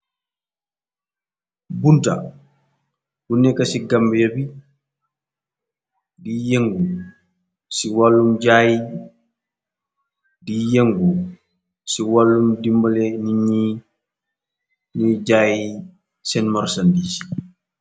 bunta bu nekk ci gamba bi di yëngu ci wàllum jaay di yëngu ci wàllum dimbale nitñi ñuy jaay seen marsan diis i